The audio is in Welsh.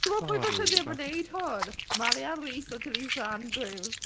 Ti’n gwybod pwy byse ddim yn wneud hwn? Mali Ann Rees a Jalisa Andrews.